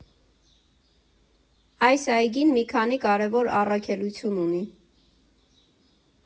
Այս այգին մի քանի կարևոր առաքելություն ունի.